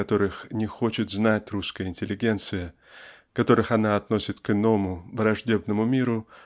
которых не хочет знать русская интеллигенция которых она относит к иному враждебному миру